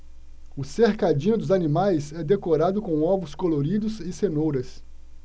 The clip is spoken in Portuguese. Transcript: o cercadinho dos animais é decorado com ovos coloridos e cenouras